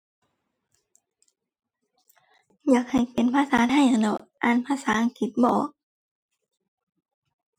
อยากให้เป็นภาษาไทยหั้นแหล้ว อ่านภาษาอังกฤษบ่ออก